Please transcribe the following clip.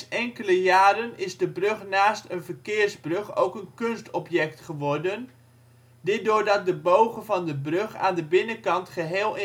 enkele jaren is de brug naast een verkeersbrug ook een kunstobject geworden, dit doordat de bogen van de brug aan de binnenkant geheel